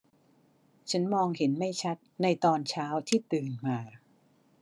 ฉันมองเห็นไม่ชัดในตอนเช้าที่ตื่นมา